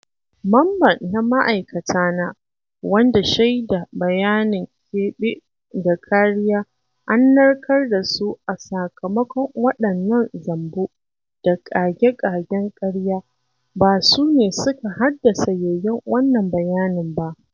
Mamban na ma'aikatana - wanda shaida, bayanin keɓe, da kariya an narkar da su a sakamakon waɗannan zambo da ƙage-ƙagen ƙarya - ba su ne suka haddasa yoyon wannan bayanin ba.